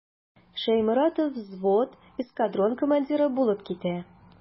Шәйморатов взвод, эскадрон командиры булып китә.